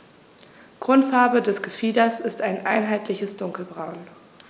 Grundfarbe des Gefieders ist ein einheitliches dunkles Braun.